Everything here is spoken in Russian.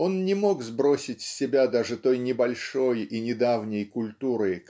Он не мог сбросить с себя даже той небольшой и недавней культуры